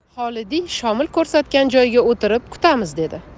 xolidiy shomil ko'rsatgan joyga o'tirib kutamiz dedi